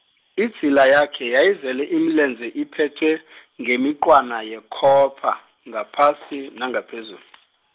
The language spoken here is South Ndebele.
idzila yakhe yayizele imilenze iphethwe , ngemiqwana yekhopha, ngaphasi, nangaphezulu.